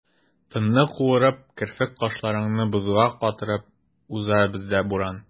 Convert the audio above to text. Тынны куырып, керфек-кашларыңны бозга катырып уза бездә буран.